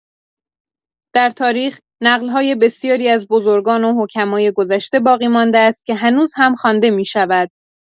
در تاریخ، نقل‌های بسیاری از بزرگان و حکمای گذشته باقی‌مانده است که هنوز هم خوانده می‌شود.